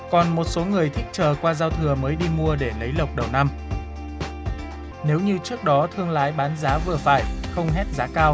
còn một số người thích chờ qua giao thừa mới đi mua để lấy lộc đầu năm nếu như trước đó thương lái bán giá vừa phải không hét giá cao